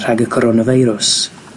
rhag y coronafeirws.